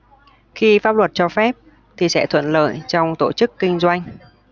khi pháp luật cho phép thì sẽ thuận lợi trong tổ chức kinh doanh